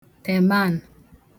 tèmanu